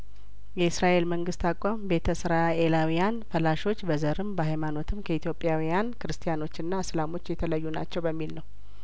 የእስራኤል መንግስት አቋም ቤተ እስራኤላውያን ፈላሾች በዘርም በሀይማኖትም ከኢትዮጵያውያን ክርስቲያኖችና እስላሞች የተለዩ ናቸው በሚል ነው